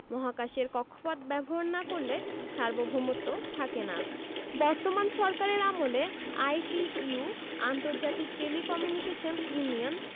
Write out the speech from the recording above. মহাকাশের কক্ষপথ ব্যবহার না করলে সার্বভৌমত্ব থাকে না বর্তমান সরকারের আমলে আইটিইউ আন্তর্জাতিক টেলিকমিউনিকেশন ইউনিয়ন